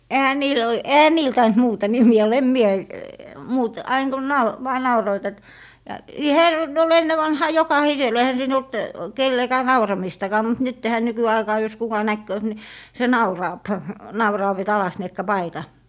eihän niillä - eihän niillä tainnut muuta nimeä olla en minä - aina kun - vain nauroivat että ja - oli ennen vanhaan jokaisella eihän siinä ollut kenellekään nauramistakaan mutta nythän nykyaikaan jos kuka nähkööt niin se nauraa nauraa että alasniekka paita